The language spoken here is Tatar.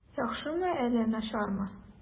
Яхшымы әллә начармы?